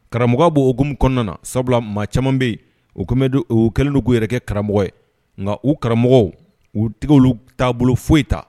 Karamɔgɔ b' okumu kɔnɔna na sabula maa caman bɛ yen u tun bɛ don u kɛlenw k'u yɛrɛ kɛ karamɔgɔ ye nka u karamɔgɔ u tɛgɛ taabolo foyi ta